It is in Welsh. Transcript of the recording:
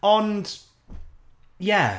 Ond...ie.